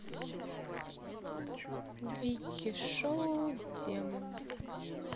вики шоу демон